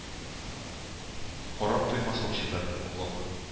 Карап туймаслык чибәр, халык